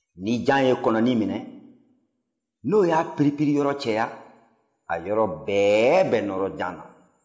ni jan ye kɔnɔnin minɛ n'o y'a piripiri yɔrɔ cɛ yan a yɔrɔ bɛɛ bɛ nɔrɔ jan na